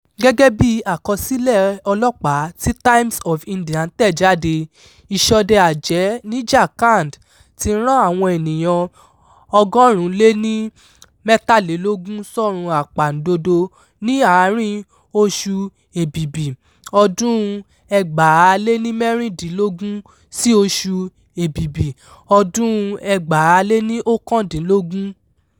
Gẹ̀gẹ̀ bí àkọsílẹ̀ ọlọ́pàá tí Times of India tẹ̀jáde, ìṣọdẹ-àjẹ́ ní Jharkhand ti rán àwọn ènìyàn 123 sọ́run àpàpàǹdodo ní àárín-in oṣù Èbìbí ọdún-un 2016 sí oṣù Èbìbí ọdún-un 2019.